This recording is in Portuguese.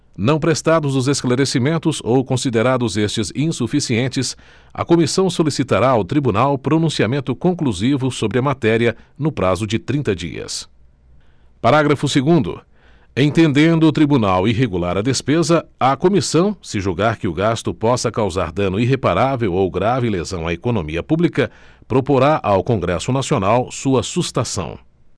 não prestados os esclarecimentos ou considerados estes insuficientes a comissão solicitará ao tribunal pronunciamento conclusivo sobre a matéria no prazo de trinta dias parágrafo segundo entendendo o tribunal irregular a despesa a comissão se julgar que o gasto possa causar dano irreparável ou grave lesão à economia pública proporá ao congresso nacional sua sustação